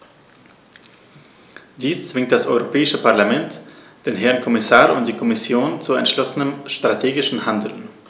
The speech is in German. Dies zwingt das Europäische Parlament, den Herrn Kommissar und die Kommission zu entschlossenem strategischen Handeln.